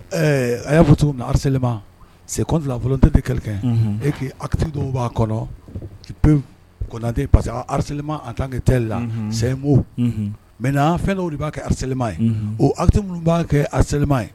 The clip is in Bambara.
Ɛɛ a y'a fɔ cogomin na harcèlement c'est contre la volonté de quelqu'un unhun et que acte dɔw b'a kɔnɔɔ qui peuvent parce que a harcèlement en tant que tel unhun c'est un mot unhun maintenant fɛn dɔw de b'a kɛ harcèlement ye unhun o actes minnu b'a kɛ harcèlement ye